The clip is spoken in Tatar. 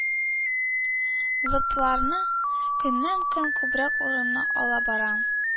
Лыплары) көннән-көн күбрәк урын ала бара